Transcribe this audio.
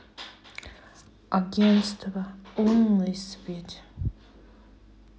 агентство лунный свет